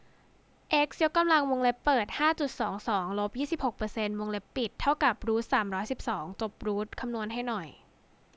เอ็กซ์ยกกำลังวงเล็บเปิดห้าจุดสองสองลบยี่สิบหกเปอร์เซนต์วงเล็บปิดเท่ากับรูทสามร้อยสิบสองจบรูทคำนวณให้หน่อย